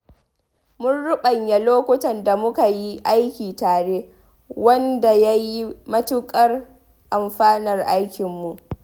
Mun ruɓanya lokutan da muka yi aiki tare, wanda ya yi matuƙar amfanar aikinmu!